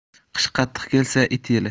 qish qattiq kelsa it yili